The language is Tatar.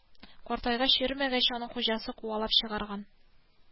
Картайгач йөрмәгәч аны хуҗасы куалап чыгарган